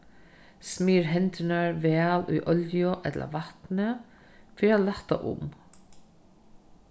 smyr hendurnar væl í olju ella vatni fyri at lætta um